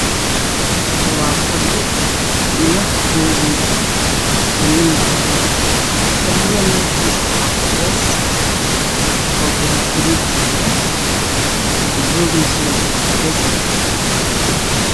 Waa fadhi giisa isku midab ah fadhiga midabkiisu waa caddees oo gudiga ku jiro gan sidoo kaleeto waa cadet